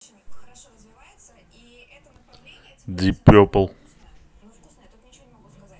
deep purple